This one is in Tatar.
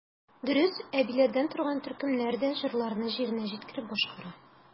Дөрес, әбиләрдән торган төркемнәр дә җырларны җиренә җиткереп башкара.